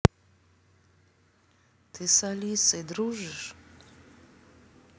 ты с алисой дружишь